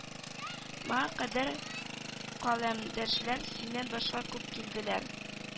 Моңа кадәр каләмдәшләр синнән башка күп килделәр